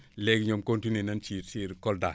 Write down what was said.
léegi ñoom continué nañ ci si biir Kolda